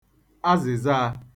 azị̀zaā